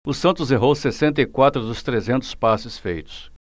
o santos errou sessenta e quatro dos trezentos passes feitos